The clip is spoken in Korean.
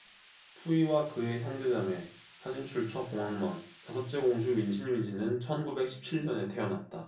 푸이와 그의 형제자매 사진출처 봉황망 다섯째 공주 윈신윈신은 천 구백 십 칠 년에 태어났다